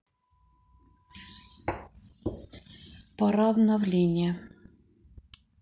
проверь обновления